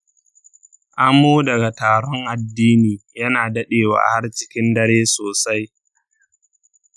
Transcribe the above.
amo daga taron addini yana daɗewa har cikin dare sosai.